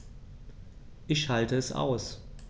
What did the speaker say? Ich schalte es aus.